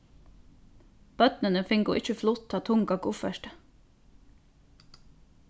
børnini fingu ikki flutt tað tunga kuffertið